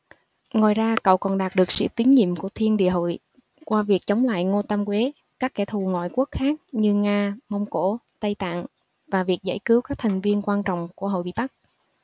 ngoài ra cậu còn đạt được sự tín nhiệm của thiên địa hội qua việc chống lại ngô tam quế các kẻ thù ngoại quốc khác như nga mông cổ tây tạng và việc giải cứu các thành viên quan trọng của hội bị bắt